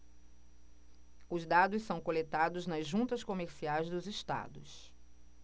os dados são coletados nas juntas comerciais dos estados